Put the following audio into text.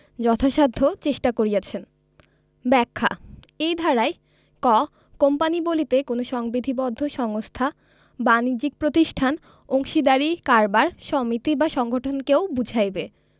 যথাসাধ্য চেষ্টা করিয়াছেন ব্যাখ্যাঃ এই ধারায়ঃ ক কোম্পানী বলিতে কোন সংবিধিবদ্ধ সংস্থা বাণিজ্যিক প্রতিষ্ঠান অংশীদারী কারবার সমিতি বা সংগঠনকেও বুঝাইবে